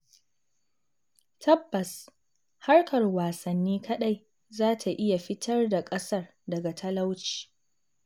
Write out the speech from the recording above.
Tabbas, harkar wasanni kaɗai za ta iya fitar da ƙasar daga talauci.